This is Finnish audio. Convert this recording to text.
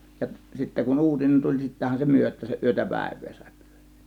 ja sitten kun uutinen tuli sittenhän se myötäänsä yötä päivää sai pyöriä